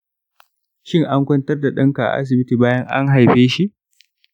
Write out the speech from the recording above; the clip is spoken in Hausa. shin an kwantar da ɗanka a asibiti bayan an haife shi?